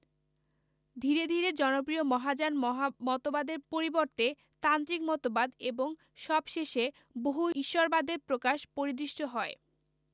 ধীরে ধীরে জনপ্রিয় মহাযান মহা মতবাদের পরিবর্তে তান্ত্রিক মতবাদ এবং সবশেষে বহু ঈশ্বরবাদের প্রকাশ পরিদৃষ্ট হয়